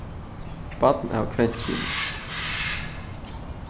barn av kvennkyni